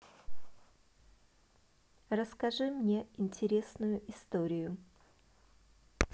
расскажи мне интересную историю